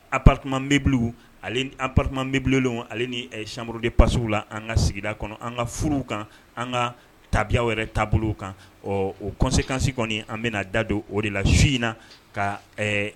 Anma antimabbililen ale samuru de pasiw la an ka sigida kɔnɔ an ka furuw kan an ka tabiya yɛrɛ taabolo kan o kɔnsekansi kɔni an bɛna da don o de la su in na ka